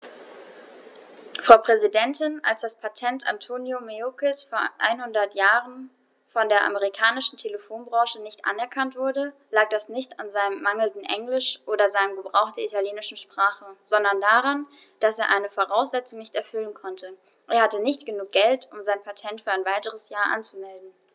Frau Präsidentin, als das Patent Antonio Meuccis vor einhundert Jahren von der amerikanischen Telefonbranche nicht anerkannt wurde, lag das nicht an seinem mangelnden Englisch oder seinem Gebrauch der italienischen Sprache, sondern daran, dass er eine Voraussetzung nicht erfüllen konnte: Er hatte nicht genug Geld, um sein Patent für ein weiteres Jahr anzumelden.